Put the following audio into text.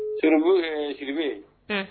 Siribu siri ye